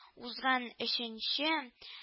Узган оченче